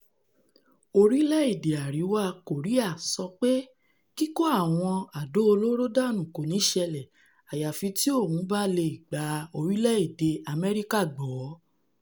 orílẹ̀-èdè Àrìwá Kòríà sọ pé kíkó àwọn àdó olóro dánù kòní ṣẹlẹ́ àyàfi tí òun bá leè gba orílẹ̀-èdè US gbọ́